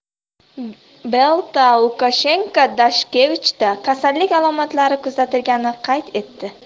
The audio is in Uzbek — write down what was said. belta lukashenko dashkevichda kasallik alomatlari kuzatilganini qayd etdi